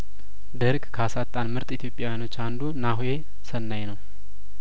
ደርግ ካሳጣንምርጥ ኢትዮጵያውያኖች አንዱ ናሆሰናይ ነው